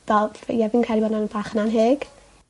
Fel ie fi'n credu bo' wnna'n bach yn annheg.